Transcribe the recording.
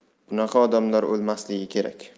bunaqa odamlar o'lmasligi kerak